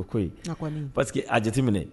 Ko pa que a jate minɛ